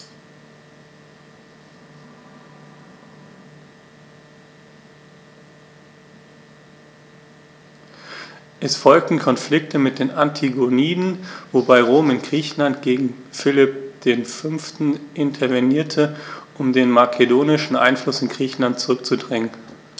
Es folgten Konflikte mit den Antigoniden, wobei Rom in Griechenland gegen Philipp V. intervenierte, um den makedonischen Einfluss in Griechenland zurückzudrängen.